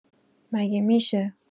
مگه می‌شه